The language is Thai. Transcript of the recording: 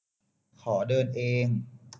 ขอเดินเอง